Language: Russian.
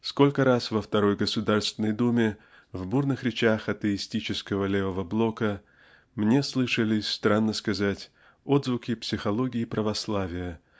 Сколько раз во второй Государственной Думе в бурных речах атеистического левого "блока мне слышались -- странно сказать! -- отзвуки психологии православия